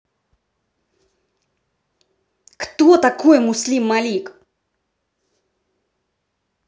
кто такой муслим малик